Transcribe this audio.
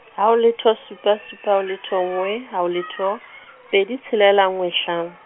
haho letho supa supa haho letho nngwe, haho letho, pedi tshelela nngwe hlano.